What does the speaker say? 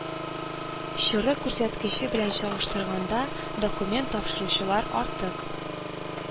Чоры күрсәткече белән чагыштырганда, документ тапшыручылар артык